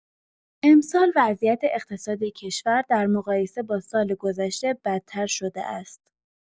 امسال وضعیت اقتصادی کشور در مقایسه با سال‌گذشته بدتر شده است.